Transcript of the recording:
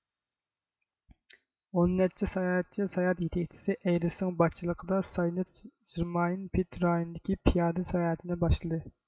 ئون نەچچە ساياھەتچى ساياھەت يېتەكچىسى ئەيرىسنىڭ باشچىلىقىدا ساينت ژېرماين پېد رايونىدىكى پىيادە ساياھىتىنى باشلىدى